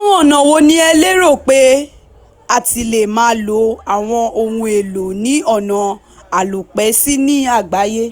Àwọn ọ̀nà wo ni o lérò pé a ti lè máa lo àwọn ohun èlò ní ọ̀nà àlòpẹ́ síi ní àgbáyé?